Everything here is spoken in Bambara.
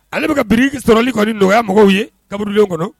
Ale bɛka ka biriki sɔrɔli kɔni nɔgɔyaya mɔgɔw ye kaburudenw kɔnɔ